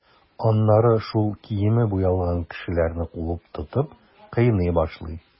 Аннары шул киеме буялган кешеләрне куып тотып, кыйный башлый.